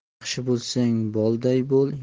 yaxshi bo'lsang bolday bo'l